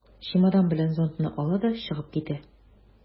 Чемодан белән зонтны ала да чыгып китә.